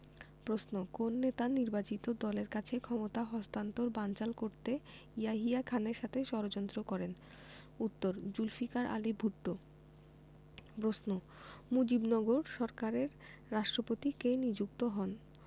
প্রশ্ন কোন নেতা নির্বাচিত দলের কাছে ক্ষমতা হস্তান্তর বানচাল করতে ইয়াহিয়া খানের সাথে ষড়যন্ত্র করেন উত্তরঃ জুলফিকার আলী ভুট্ট প্রশ্ন মুজিবনগর সরকারের রাষ্ট্রপতি কে নিযুক্ত হন